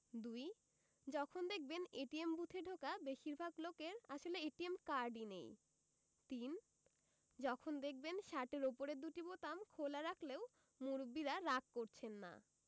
২. যখন দেখবেন এটিএম বুথে ঢোকা বেশির ভাগ লোকের আসলে এটিএম কার্ডই নেই ৩. যখন দেখবেন শার্টের ওপরের দুটি বোতাম খোলা রাখলেও মুরব্বিরা রাগ করছেন না